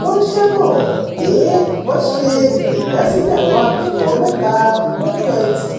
Wọ́n jábọ̀ pé wọ́n ṣe ìdásílẹ̀ àwọn akẹ́kọ̀ọ́ mẹ́ta lọ́jọ́ Ẹtì,